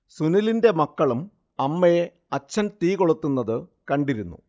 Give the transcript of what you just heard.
സുനിലിന്റെ മക്കളും അമ്മയെ അഛ്ഛൻ തീ കൊളുത്തുന്നത് കണ്ടിരുന്നു